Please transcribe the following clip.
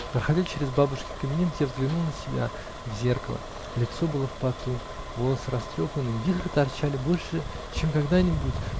Проходя через бабушкин кабинет, я взглянул на себя в зеркало: лицо было в поту, волосы растрепаны, вихры торчали больше чем когда-нибудь